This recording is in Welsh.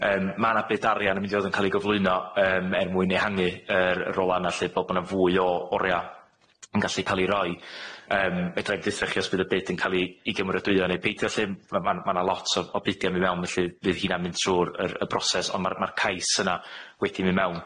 yym ma' na bid arian yn mynd i fod yn ca'l i gyflwyno yym er mwyn ehangu yr y rola yna lly bo' bo' na fwy o oria yn gallu ca'l i roi yym fedra'i'm deutha chi os fydd y bid yn ca'l i i gymeradwyo neu beidio lly m- ma' ma' ma' 'na lot o o bidia'n myn' mewn felly fydd 'heina'n mynd trw'r yr y broses on' ma'r ma'r cais yna wedi myn' mewn.